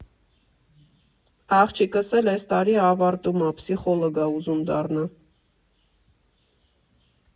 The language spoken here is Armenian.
Աղջիկս էլ էս տարի ավարտում ա, փսիխոլոգ ա ուզում դառնա։